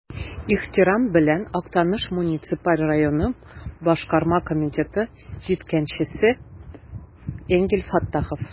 Ихтирам белән, Актаныш муниципаль районы Башкарма комитеты җитәкчесе Энгель Фәттахов.